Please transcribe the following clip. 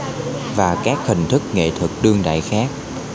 và các hình thức nghệ thuật đương đại khác